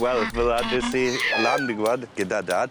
Wel fel 'a des i lan dwi gwbod gyda dad.